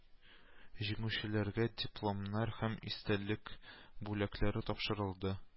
Җиңүчеләргә дипломнар һәм истәлек бүләкләре тапшырылды